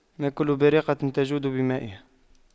ما كل بارقة تجود بمائها